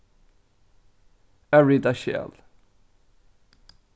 avrita skjal